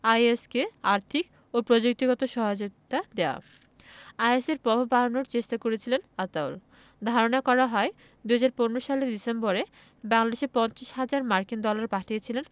is কে আর্থিক ও প্রযুক্তিগত সহায়তা দেওয়া আইএসের প্রভাব বাড়ানোর চেষ্টা করছিলেন আতাউল ধারণা করা হয় ২০১৫ সালের ডিসেম্বরে বাংলাদেশে ৫০ হাজার মার্কিন ডলার পাঠিয়েছিলেন